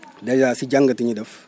dèjà si jàngat yi ñu def